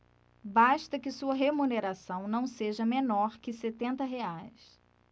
basta que sua remuneração não seja menor que setenta reais